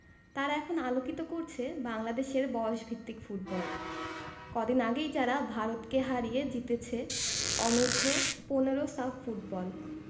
তারা এখন আলোকিত করছে বাংলাদেশের বয়সভিত্তিক ফুটবল কদিন আগেই যারা ভারতকে হারিয়ে জিতেছে অনূর্ধ্ব ১৫ সাফ ফুটবল